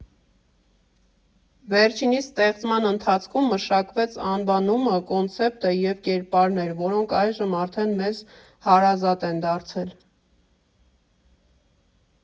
Վերջինիս ստեղծման ընթացքում մշակվեց անվանումը, կոնցեպտը և կերպարներ որոնք այժմ արդեն մեզ հարազատ են դարձել։